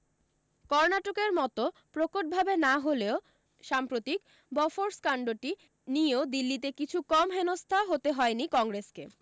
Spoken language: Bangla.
কর্নাটকের মতো প্রকট ভাবে না হলেও সাম্প্রতিক বফর্স কাণ্ডটি নিয়েও দিল্লীতে কিছু কম হেনস্থা হতে হয়নি কংগ্রেসকে